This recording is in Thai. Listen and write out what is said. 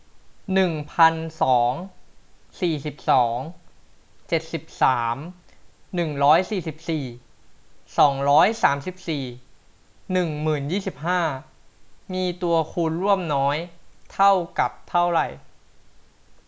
หนึ่งพันสองสี่สิบสองเจ็ดสิบสามหนึ่งร้อยสี่สิบสี่สองร้อยสามสิบสี่หนึ่งหมื่นยี่สิบห้ามีตัวคูณร่วมน้อยเท่ากับเท่าไหร่